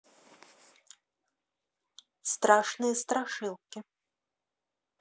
страшные страшилки